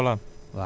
ngolaan